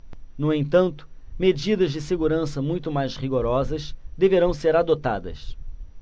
no entanto medidas de segurança muito mais rigorosas deverão ser adotadas